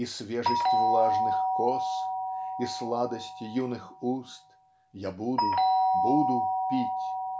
И свежесть влажных кос, и сладость юных уст Я буду, буду пить!